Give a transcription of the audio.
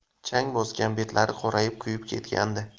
chang bosgan betlari qorayib kuyib ketgandi